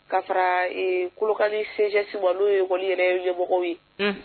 ' fara kukanisenjɛsinba n'o ye wali yɛrɛ yemɔgɔ ye